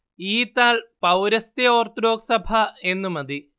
ഈ താൾ പൗരസ്ത്യ ഓർത്തഡോക്സ് സഭ എന്ന് മതി